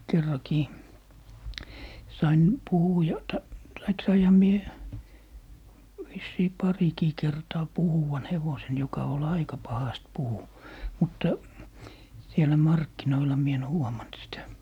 kerrankin sain -- tai sainhan minä vissiin parikin kertaa puhuvan hevosen joka oli aika pahasti puhui mutta siellä markkinoilla minä en huomannut sitä